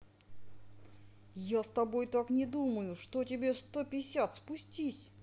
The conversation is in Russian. я с тобой так не думаю что тебе стописят спустись